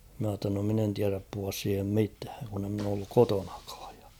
minä jotta no minä en tiedä puhua siihen mitään kun en minä ole ollut kotonakaan ja